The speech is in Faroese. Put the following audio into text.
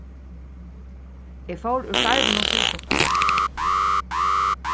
eg fór úr starvinum fyri stuttum